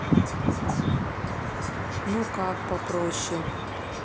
ну как попроще